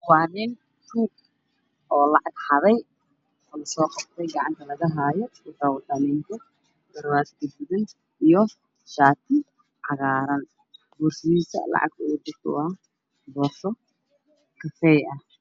Waa nin tuug ah oo lacag xaday oo gacanta lagu qabtay